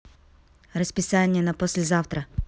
расписание на послезавтра